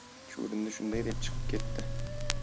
chuvrindi shunday deb chiqib ketdi